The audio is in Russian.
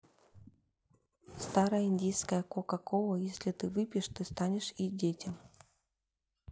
старое индийское coca cola если ты выпьешь ты станешь и детям